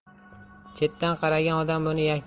chetdan qaragan odam buni